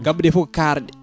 gabbe ɗe foof ko karɗe